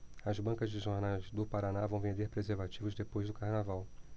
as bancas de jornais do paraná vão vender preservativos depois do carnaval